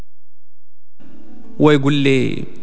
ويقول لي